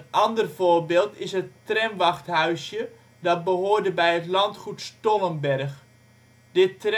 ander voorbeeld is het tramwachthuisje dat behoorde bij het landgoed Stollenberg. Dit